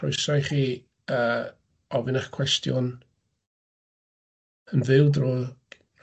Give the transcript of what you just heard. Croeso i chi yy ofyn 'ych cwestiwn yn fyw drw